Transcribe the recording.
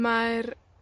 Mae'r